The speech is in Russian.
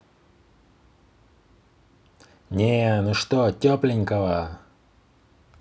не ну что тепленького